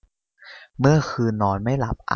เมื่อคืนนอนไม่หลับอะ